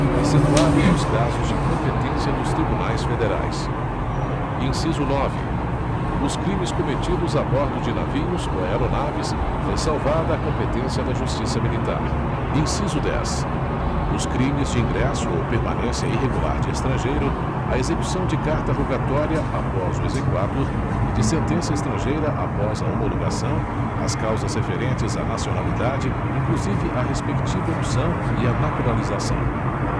excetuados os casos de competência dos tribunais federais inciso nove os crimes cometidos a bordo de navios ou aeronaves ressalvada a competência da justiça militar inciso dez os crimes de ingresso ou permanência irregular de estrangeiro a execução de carta rogatória após o exequatur e de sentença estrangeira após a homologação as causas referentes à nacionalidade inclusive a respectiva opção e à naturalização